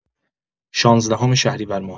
شانزدهم شهریورماه